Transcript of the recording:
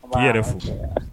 I'i yɛrɛ fo